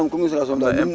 maanaam